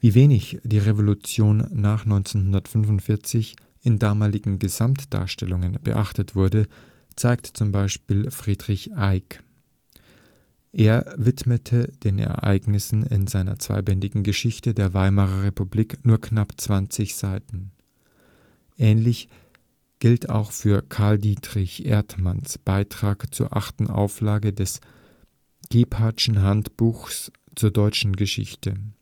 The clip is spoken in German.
wenig die Revolution nach 1945 in damaligen Gesamtdarstellungen beachtet wurde, zeigt z. B. Erich Eyck: Er widmete den Ereignissen in seiner zweibändigen Geschichte der Weimarer Republik nur knapp 20 Seiten. Ähnliches gilt auch für Karl Dietrich Erdmanns Beitrag zur 8. Auflage des Gebhardtschen Handbuchs zur Deutschen Geschichte